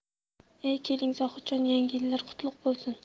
e keling zohidjon yangi yillari qutlug' bo'lsin